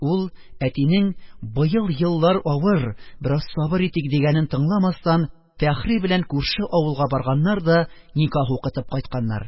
Ул, әтинең "быел еллар авыр, бераз сабыр итик" дигәнен тыңламастан, фәхри белән күрше авылга барганнар да никах укытып кайтканнар.